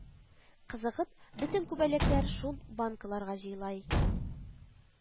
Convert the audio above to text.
Кызыгып бөтен күбәләкләр шул банкаларга җыела икән